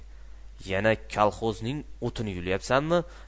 yana kolxozning o'tini yulyapsanmi